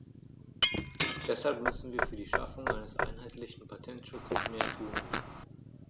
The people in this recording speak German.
Deshalb müssen wir für die Schaffung eines einheitlichen Patentschutzes mehr tun.